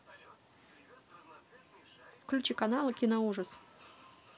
включи канал киноужас